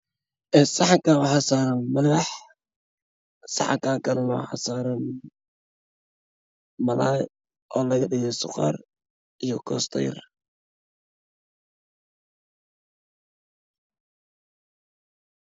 Saxankan waxaas arrimaha saxan karo waxaa saaran malay oo laga dhigay mar waxay saaran yihiin miis